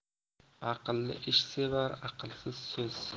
aqlli ish sevar aqlsiz so'z